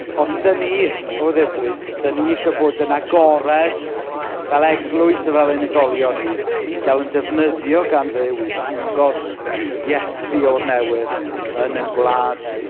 Os ydyn ni o ddifri, os ydyn ni isie bod yn agored fel eglwys a fel unigolion i, i gael ein defnyddio gan Dduw i ddangos Iesu o’r newydd yn ein gwlad ni...